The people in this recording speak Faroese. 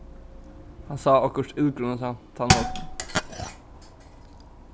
hann sá okkurt illgrunasamt tann morgunin